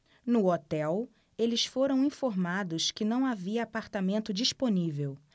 no hotel eles foram informados que não havia apartamento disponível